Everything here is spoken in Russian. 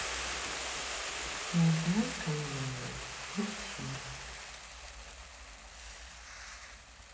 незнайка на луне мультфильм